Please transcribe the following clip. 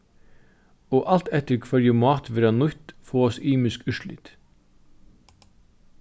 og alt eftir hvørji mát verða nýtt fáast ymisk úrslit